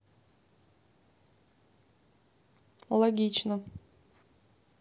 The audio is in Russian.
логично